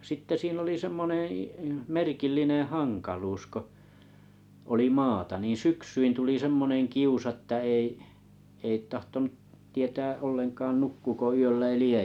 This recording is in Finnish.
sitten siinä oli semmoinen - merkillinen hankaluus kun oli maata niin syksyin tuli semmoinen kiusa että ei ei tahtonut tietää ollenkaan nukkuuko yöllä eli ei